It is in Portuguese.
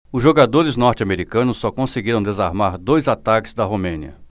os jogadores norte-americanos só conseguiram desarmar dois ataques da romênia